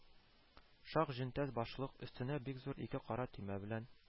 Шак җөнтәс башлык, өстенә бик зур ике кара төймә белән